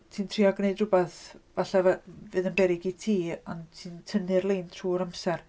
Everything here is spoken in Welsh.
Ti'n trio gwneud rhywbeth falle f- fydd yn berryg i ti ond ti'n tynnu'r lein trwy'r amser.